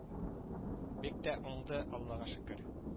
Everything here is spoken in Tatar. Бик тә уңды, Аллага шөкер